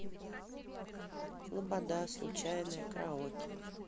лобода случайная караоке